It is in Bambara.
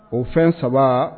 O fɛn saba